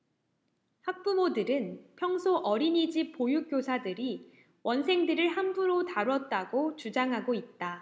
학부모들은 평소 어린이집 보육교사들이 원생들을 함부로 다뤘다고 주장하고 있다